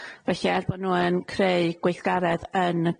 Felly er bo' nw yn creu gweithgaredd yn